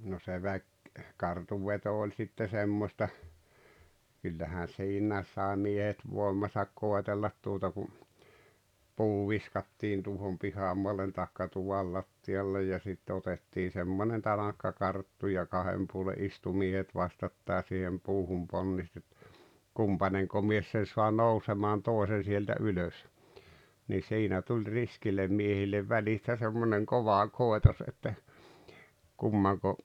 no se - kartunveto oli sitten semmoista kyllähän siinäkin sai miehet voimansa koetella tuota kun puu viskattiin tuohon pihamaalle tai tuvan lattialle ja sitten otettiin semmoinen tanakka karttu ja kahden puolen istui miehet vastakkain siihen puuhun ponnisti että kumpainenko mies sen saa nousemaan toisen sieltä ylös niin siinä tuli riskille miehille välistä semmoinen kova koitos että kummanko